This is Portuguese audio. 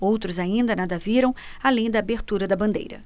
outros ainda nada viram além da abertura da bandeira